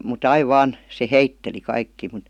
mutta aina vain se heitteli kaikkia mutta